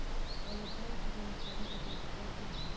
Гадәттә, ул күзәнәкнең үзәгендә урнаша.